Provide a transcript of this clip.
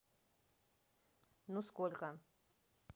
ну сколько